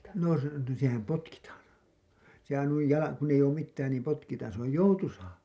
no se sehän potkitaan sehän noin - kun ei ole mitään niin potkitaan se on joutuisaa